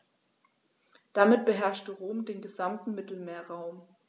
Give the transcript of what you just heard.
Damit beherrschte Rom den gesamten Mittelmeerraum.